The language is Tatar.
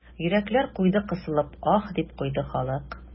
Йөрәкләр куйды кысылып, аһ, дип куйды халык.